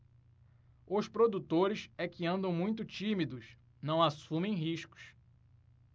os produtores é que andam muito tímidos não assumem riscos